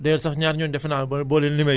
d' ailleurs sax ñaar ñooñu defe naa boo leen limee